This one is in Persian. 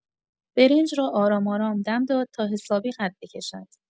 برنج را آرام‌آرام دم داد تا حسابی قد بکشد.